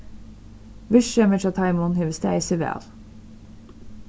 virksemið hjá teimum hevur staðið seg væl